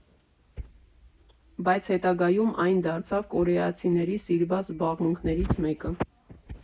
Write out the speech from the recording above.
Բայց հետագայում այն դարձավ կորեացիների սիրված զբաղմունքներից մեկը։